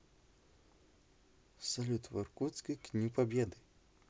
салют в иркутске к дню победы